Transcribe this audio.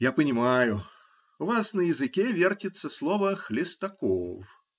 Я понимаю: у вас на языке вертится слово: Хлестаков.